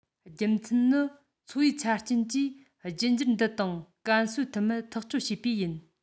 རྒྱུ མཚན ནི འཚོ བའི ཆ རྐྱེན གྱིས རྒྱུད འགྱུར འདི དང གན གསོན ཐུབ མིན ཐག གཅོད བྱེད པས ཡིན